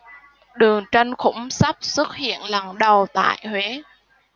đường tranh khủng sắp xuất hiện lần đầu tại huế